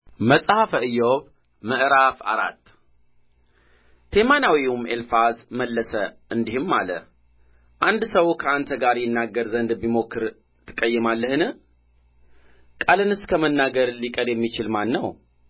መጽሐፈ ኢዮብ ምዕራፍ አራት ቴማናዊውም ኤልፋዝ መለሰ እንዲህም አለ አንድ ሰው ከአንተ ጋር ይናገር ዘንድ ቢሞክር ትቀየማለህን ቃልንስ ከመናገር ሊቀር የሚችል ማን ነው